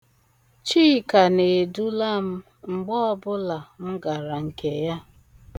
Chika na-edula m mgbe ọbụla m gara nke ya.